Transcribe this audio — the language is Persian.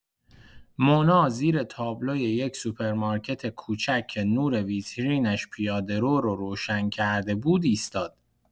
مونا زیر تابلوی یک سوپرمارکت کوچک که نور ویترینش پیاده‌رو را روشن کرده بود، ایستاد.